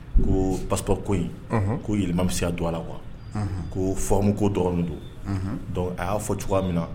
Ko pa ko in ko yɛlɛmalimamiya don a la qu ko fɔmu ko dɔgɔnin don a y'a fɔ cogoya min na